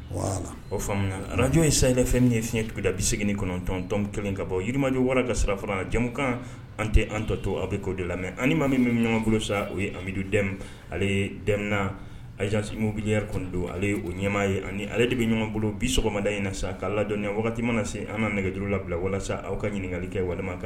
Wala o aj in safɛn ye fiɲɛɲɛ tun da bi segin kɔnɔntɔntɔn kelen ka bɔ jirimajɔ wara ka sira fara jamukan an tɛ an tɔ to aw bɛ'o de la mɛ ani maa min bɛ ɲɔgɔnbolo sa o ye amidu ale ye dɛmɛ alizsi mobiy kɔni don ale o ɲɛmaa ye ani ale de bɛ ɲɔgɔnbolo bi sɔgɔmada ɲɛna sa k'a ladɔn wagati mana se an ka nɛgɛgejuru labila walasa aw ka ɲininkali kɛ walima kan